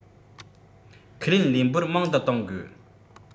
ཁས ལེན ལས འབོར མང དུ གཏོང དགོས